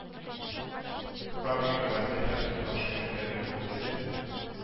Фабрикага сәфәр тоткан шәкертләрнең күбесе